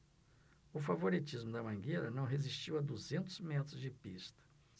o favoritismo da mangueira não resistiu a duzentos metros de pista